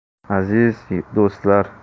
aziz do'stlar